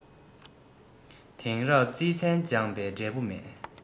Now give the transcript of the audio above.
ལྷ མིན འདྲེ མིན ཆགས དུས སེམས རེ སྐྱོ